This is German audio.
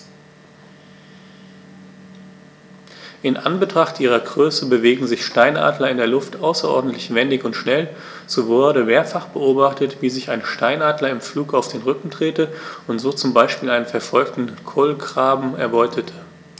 In Anbetracht ihrer Größe bewegen sich Steinadler in der Luft außerordentlich wendig und schnell, so wurde mehrfach beobachtet, wie sich ein Steinadler im Flug auf den Rücken drehte und so zum Beispiel einen verfolgenden Kolkraben erbeutete.